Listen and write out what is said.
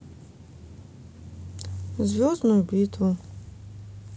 звездную битву